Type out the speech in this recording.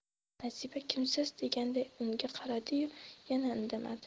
nasiba kimsiz deganday unga qaradi yu yana indamadi